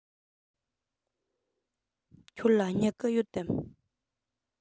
ཁྱོད ལ སྨྱུ གུ ཡོད དམ